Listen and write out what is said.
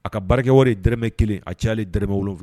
A ka barikakɛ wari ye dɛrɛmɛ kelen a cɛ'ale dmɛ wolowula